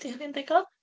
'Di hynny'n ddigon?